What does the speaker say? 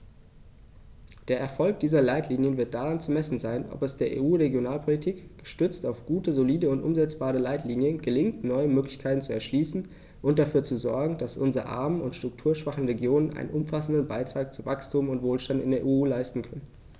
Der Erfolg dieser Leitlinien wird daran zu messen sein, ob es der EU-Regionalpolitik, gestützt auf gute, solide und umsetzbare Leitlinien, gelingt, neue Möglichkeiten zu erschließen und dafür zu sorgen, dass unsere armen und strukturschwachen Regionen einen umfassenden Beitrag zu Wachstum und Wohlstand in der EU leisten können.